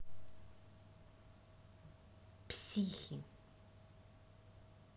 психи